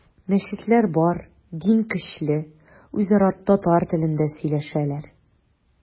Мәчетләр бар, дин көчле, үзара татар телендә сөйләшәләр.